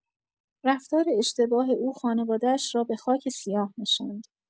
رفتار اشتباه او خانواده‌اش را به خاک سیاه نشاند.